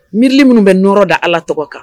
Miirili minnu bɛ n nɔɔrɔ da Ala tɔgɔ kan